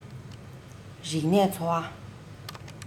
རིག གནས འཚོ བ